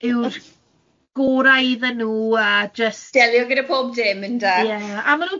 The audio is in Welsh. yw'r gorau iddyn nhw a jyst... Delio gyda pob dim ynde?